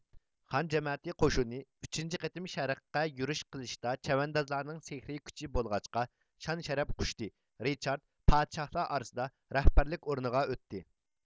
خان جەمەتى قوشۇنى ئۈچىنچى قېتىم شەرققە يۈرۈش قىلىشتا چەۋەندازلارنىڭ سېھرىي كۈچى بولغاچقا شان شەرەپ قۇچتى رىچارد پادىشاھلار ئارىسىدا رەھبەرلىك ئورنىغا ئۆتتى